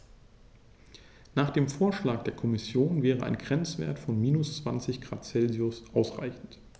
Nach dem Vorschlag der Kommission wäre ein Grenzwert von -20 ºC ausreichend.